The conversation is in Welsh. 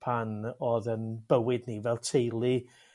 pan odd' yn bywyd ni fel teulu